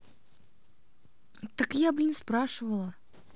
так я тебя блин спрашивала